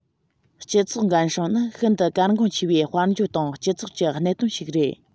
སྤྱི ཚོགས འགན སྲུང ནི ཤིན ཏུ གལ འགངས ཆེ བའི དཔལ འབྱོར དང སྤྱི ཚོགས ཀྱི གནད དོན ཞིག རེད